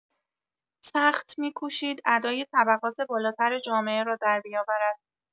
سخت می‌کوشید ادای طبقات بالاتر جامعه را دربیاورد.